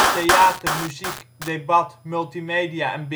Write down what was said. theater, muziek, debat, multimedia en